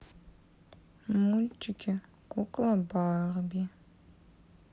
мультики кукла барби